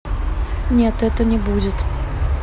нет это не будет